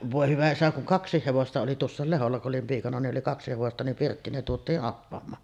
voi hyvä isä kun kaksi hevosta oli tuossa Lehdolla kun olin piikana niin oli kaksi hevosta niin pirttiin ne tuotiin appamaan